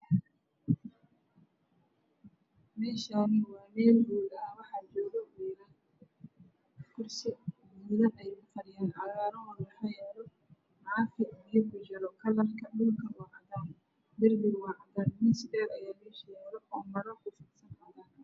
Meeshaan waa meel hool ah waxaa joogo wiilal kursi cagaaran ayay kufadhiyaan waxaa horyaala caafi. Kalarka dhulka waa cadaan, darbiga waa cadaan. Miis dheer ayaa meesha yaalo oo maro cad kufidsan tahay.